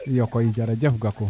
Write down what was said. iyo koy jerejef Gakou